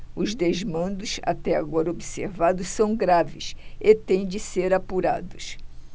os desmandos até agora observados são graves e têm de ser apurados